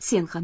sen ham